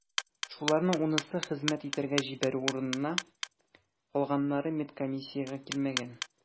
Шуларның унысы хезмәт итәргә җибәрү урынына, калганнары медкомиссиягә килмәгән.